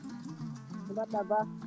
mbaɗɗa Ba